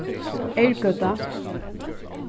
eyrgøta